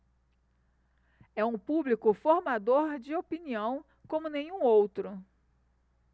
é um público formador de opinião como nenhum outro